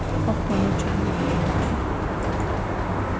opna nýggjan teig